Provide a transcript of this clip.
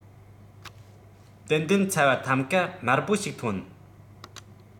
ཏན ཏན ཚ བ ཐམ ཀ དམར པོ ཞིག ཐོན